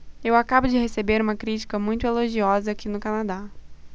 eu acabo de receber uma crítica muito elogiosa aqui no canadá